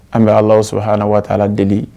An bɛ Alahu subahana watala deli